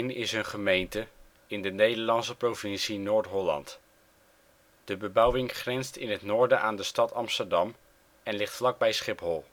is een gemeente in de Nederlandse provincie Noord-Holland. De bebouwing grenst in het noorden aan de stad Amsterdam en ligt vlak bij Schiphol